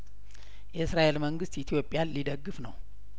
የእስራኤል መንግስት ኢትዮጵያን ሊደግፍ ነው